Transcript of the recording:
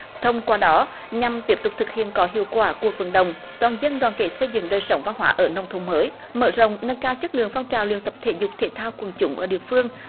thông qua đó nhằm tiếp tục thực hiện có hiệu quả cuộc vận động toàn dân đoàn kết xây dựng đời sống văn hóa ở nông thôn mới mở rộng nâng cao chất lượng phong trào luyện tập thể dục thể thao quần chúng ở địa phương